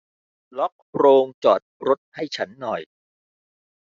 ล็อกโรงจอดรถให้ฉันหน่อย